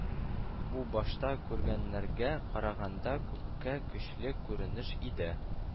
Бу башта күргәннәргә караганда күпкә көчле күренеш иде